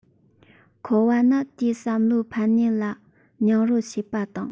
མཁོ བ ནི དེའི བསམ བློའི ཕན ནུས ལ མྱོང རོལ བྱེད པ དང